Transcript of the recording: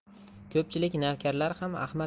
ko'pchilik navkarlar ham ahmad